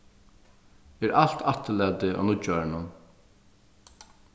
er alt afturlatið á nýggjárinum